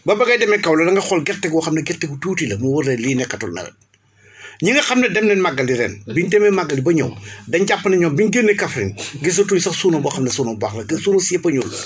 ba ba ngay demee Kaolack dangay xool gerte goo xam ne gerte gu tuuti la mu wóor la ni lii nekkatul nawet ñi nga xam ne dem nañ màggali ren biñ demee màggali ba ñëw dañ jàpp ni ñoom bi ñu génnee Kaffrine gisatuñ sax suuna boo xam ne suuna bu baax la suuna si yëpp a ñuul